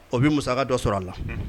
O bɛ musa dɔ sɔrɔ a la